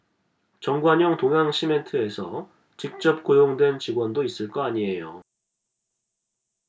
정관용 동양시멘트에서 직접 고용된 직원도 있을 거 아니에요